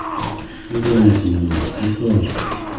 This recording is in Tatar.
Ник алмасын, улым, бик алыр.